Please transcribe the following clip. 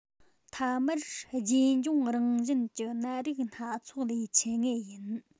མཐའ མར རྗེས འབྱུང རང བཞིན གྱི ནད རིགས སྣ ཚོགས ལས འཆི ངེས ཡིན